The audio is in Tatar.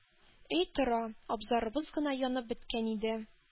Өй тора, абзарыбыз гына янып беткән иде.